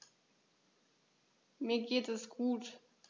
Mir geht es gut.